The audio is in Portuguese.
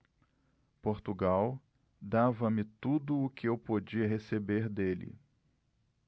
portugal dava-me tudo o que eu podia receber dele